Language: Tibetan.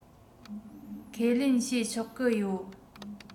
ཁས ལེན བྱས ཆོག གི ཡོད